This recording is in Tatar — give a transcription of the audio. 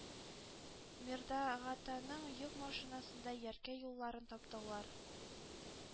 Мирдагатаның йөк машинасында Яркәй юлларын таптаулар..